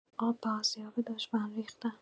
آب به آسیاب دشمن ریختن